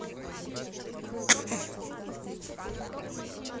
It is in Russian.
где купить